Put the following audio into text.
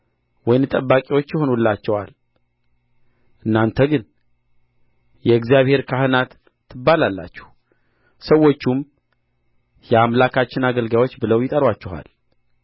ወይም ጠባቂዎች ይሆኑላችኋል እናንተ ግን የእግዚአብሔር ካህናት ትባላላችሁ ሰዎቹም የአምላካችን አገልጋዮች ብለው ይጠሩአችኋል